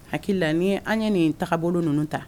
Hakia ni an ye nin tagabolo nunu ta.